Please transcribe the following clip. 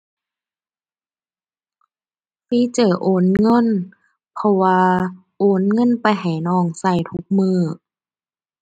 ฟีเจอร์โอนเงิน เพราะว่าโอนเงินไปให้น้องใช้ทุกมื้อ